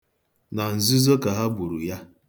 Na nzuzo ka ha gburu ya.